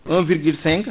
1,5